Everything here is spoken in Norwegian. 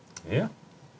ja.